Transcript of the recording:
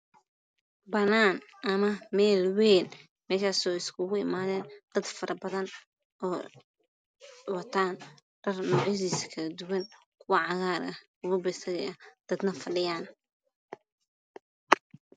Waa meel banaan ah oo ay iskugu imaadeen dad faro badan oo wataan dhar nuucyadiisa kala duwan sida cagaar iyo basali. Dadna way fadhiyaan.